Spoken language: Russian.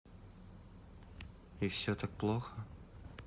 и все так плохо